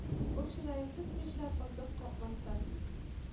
Ул чыраен сытмыйчан азык капмастан